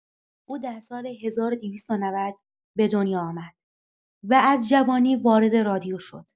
او در سال ۱۲۹۰ به دنیا آمد و از جوانی وارد رادیو شد.